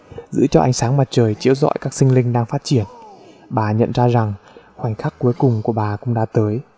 giữ cho ánh sáng mặt trời chiếu rọi các sinh linh đang phát triển bà nhận ra thời khắc cuối cùng của bà đã tới